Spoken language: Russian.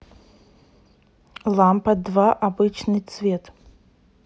лампа два обычный цвет